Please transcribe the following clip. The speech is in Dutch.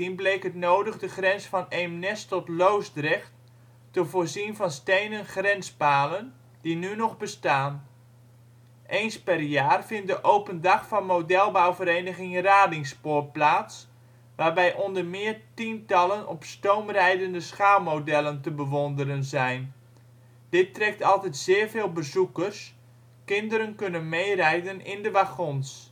bleek het nodig de grens van Eemnes tot Loosdrecht te voorzien van stenen grenspalen, die nu nog bestaan. Eens per jaar vindt de open dag van modelbouwvereniging Radingspoor plaats, waarbij onder meer tientallen op stoom rijdende schaalmodellen te bewonderen zijn. Dit trekt altijd zeer veel bezoekers, kinderen kunnen meerijden in de wagons